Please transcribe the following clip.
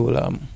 waaw waaw